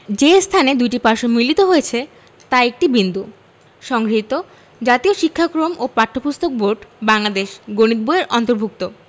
যে স্থানে দুইটি পার্শ্ব মিলিত হয়েছে তা একটি বিন্দু সংগৃহীত জাতীয় শিক্ষাক্রম ও পাঠ্যপুস্তক বোর্ড বাংলাদেশ গণিত বই-এর অন্তর্ভুক্ত